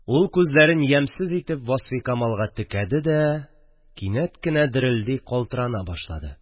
Ул күзләрен ямьсез итеп Васфикамалга текәде дә, кинәт кенә дерелди, калтырана башлады